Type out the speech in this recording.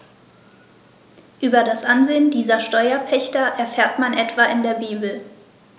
Über das Ansehen dieser Steuerpächter erfährt man etwa in der Bibel.